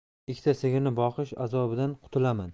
ikkita sigirni boqish azobidan qutulaman